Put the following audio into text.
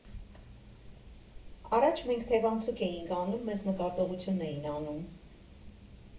Առաջ մենք թևանցուկ էինք անում, մեզ նկատողություն էին անում։